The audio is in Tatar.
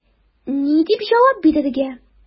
Ни дип җавап бирергә?